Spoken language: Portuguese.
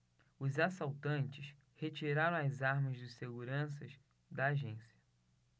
os assaltantes retiraram as armas dos seguranças da agência